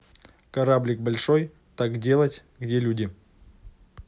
кораблик большой так делать где люди